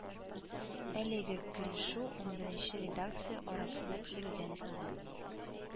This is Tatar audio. Әлегә килешү унберенче редакция арасында төзелгән